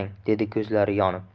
'xshatmang dedi ko'zlari yonib